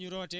waaw